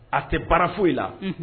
A tɛ baara foyi la